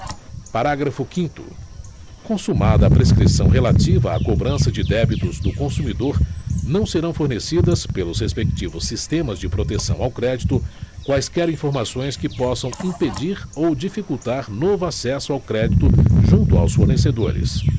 parágrafo quinto consumada a prescrição relativa à cobrança de débitos do consumidor não serão fornecidas pelos respectivos sistemas de proteção ao crédito quaisquer informações que possam impedir ou dificultar novo acesso ao crédito junto aos fornecedores